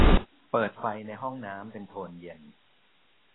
เปิดไฟในห้องน้ำเป็นโทนเย็น